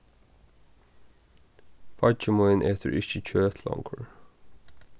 beiggi mín etur ikki kjøt longur